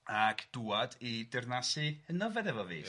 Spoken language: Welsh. Ag dŵad i dirnasi yn Nyfed efo fi,